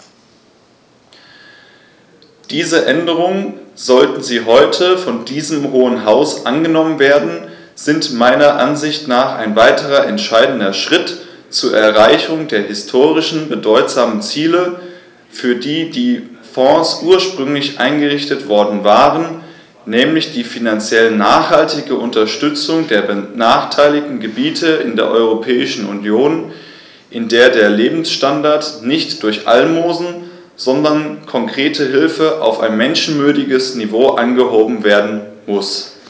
Diese Änderungen, sollten sie heute von diesem Hohen Haus angenommen werden, sind meiner Ansicht nach ein weiterer entscheidender Schritt zur Erreichung der historisch bedeutsamen Ziele, für die die Fonds ursprünglich eingerichtet worden waren, nämlich die finanziell nachhaltige Unterstützung der benachteiligten Gebiete in der Europäischen Union, in der der Lebensstandard nicht durch Almosen, sondern konkrete Hilfe auf ein menschenwürdiges Niveau angehoben werden muss.